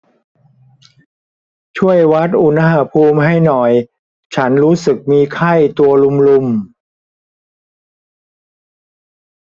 ช่วยวัดอุณหภูมิให้หน่อยฉันรู้สึกมีไข้ตัวรุมรุม